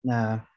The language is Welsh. Na.